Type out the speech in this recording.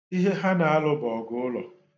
Ihe ha na-alụ bụ ̣ọgụ ụlọ.